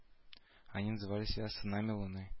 Они называли себя сынами луны